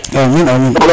amin amin